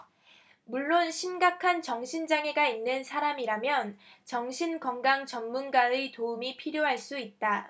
물론 심각한 정신 장애가 있는 사람이라면 정신 건강 전문가의 도움이 필요할 수 있다